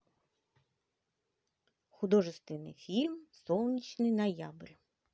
художественный фильм солнечный ноябрь